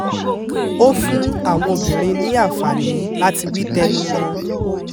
Ó fún àwọn obìnrin ní àǹfààní láti wí ti ẹnu wọn.